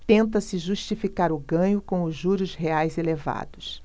tenta-se justificar o ganho com os juros reais elevados